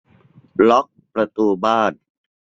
ล็อกประตูบ้าน